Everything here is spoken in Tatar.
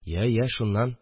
– я, я, шуннан